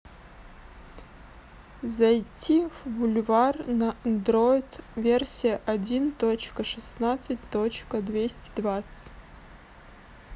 зайти в boulevard на андроид версия один точка шестнадцать точка двести двадцать